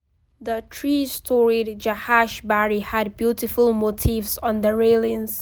The three-storied "Jahaj Bari" had beautiful motifs on the railings.